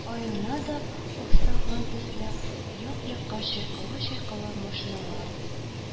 Аягына да аксаган төсле, як-якка чайкала-чайкала, машиналар